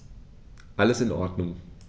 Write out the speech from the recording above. Alles in Ordnung.